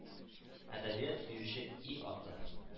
Әдәбият сөюче и аты